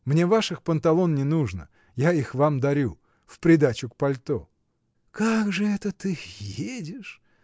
Мне ваших панталон не нужно — я их вам дарю, в придачу к пальто. — Как же это ты. едешь!.